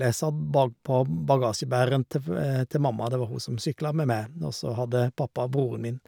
Jeg satt bakpå bagasjebæreren til f til mamma, det var hun som sykla med meg, og så hadde pappa broren min.